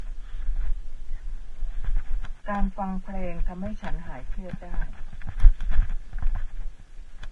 การฟังเพลงทำให้ฉันหายเครียดได้